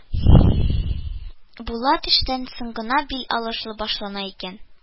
Була, төштән соң гына бил алышу башлана икән